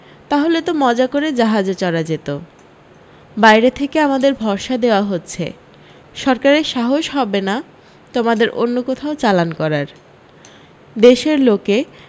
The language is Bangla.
তাহলে তো মজা করে জাহাজে চড়া যেত বাইরে থেকে আমাদের ভরসা দেওয়া হচ্ছে সরকারের সাহস হবে না তোমাদের অন্য কোথাও চালান করার দেশের লোকে